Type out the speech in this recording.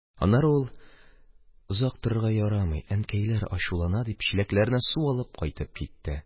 Аннары ул, озак торырга ярамый, әнкәйләр ачулана, дип, чиләкләренә су алып кайтып китте.